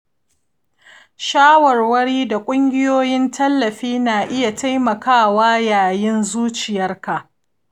shawarwari da ƙungiyoyin tallafi na iya taimaka wa yanayin zuciyarka.